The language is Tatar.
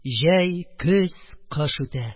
Җәй, көз, кыш үтә.